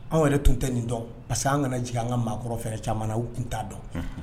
Anw yɛrɛ tun tɛ nin dɔn parce que an kana jigin an ka maakɔrɔ fana caman u tun t'a dɔn